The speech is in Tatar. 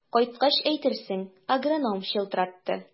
Кайткач әйтерсең, агроном чылтыратты.